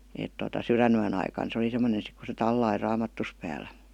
- että tuota sydänyön aikana se oli semmoinen sitten kun se tallasi raamattunsa päällä